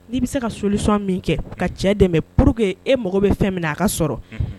N'i bɛ se ka solisɔn min kɛ ka cɛ dɛmɛ pur queke e mago bɛ fɛn min na a ka sɔrɔ